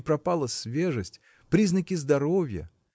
не пропала свежесть – признаки здоровья